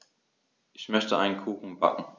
Ich möchte einen Kuchen backen.